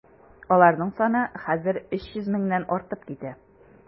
Аларның саны хәзер 300 меңнән артып китә.